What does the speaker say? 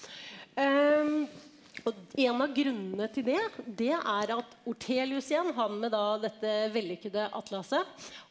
og en av grunnene til det det er at Ortelius igjen, han med da dette vellykkede atlaset,